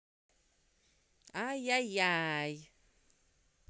ай я яй